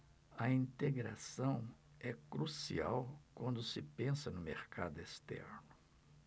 a integração é crucial quando se pensa no mercado externo